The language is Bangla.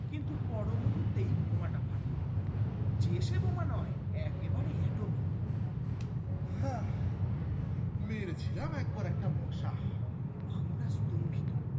কিন্তু পরমুহুর্তেই বোমা টা ফাটলো সে যে বোমা নয় একেবারে এটোমিক হ্যাঁ মেরেছিলাম একবার একটা মশা আমরা স্তম্ভিত